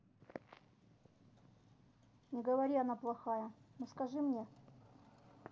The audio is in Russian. не говори она плохая ну скажи мне